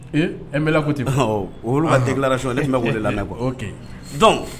Ee e bɛ ku ten olu delila so ne bɛ de lao dɔn